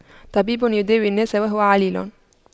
طبيب يداوي الناس وهو عليل